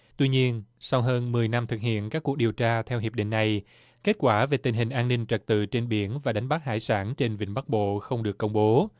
tuy nhiên sau hơn mười năm thực hiện các cuộc điều tra theo hiệp định này kết quả về tình hình an ninh trật tự trên biển và đánh bắt hải sản trên vịnh bắc bộ không được công bố